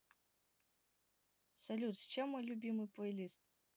салют с чем мой любимый плейлист